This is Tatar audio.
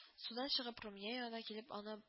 Судан чыгып румия янына килеп аны